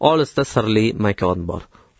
olisda sirli makon bor